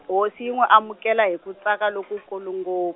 hosi yi nwi amukela hi ku tsaka lokukulu ngo-.